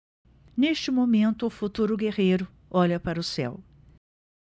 neste momento o futuro guerreiro olha para o céu